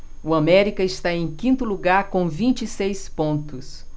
o américa está em quinto lugar com vinte e seis pontos